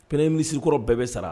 Premier ministre kɔrɔ bɛɛ be sara